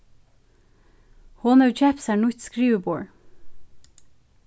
hon hevur keypt sær nýtt skriviborð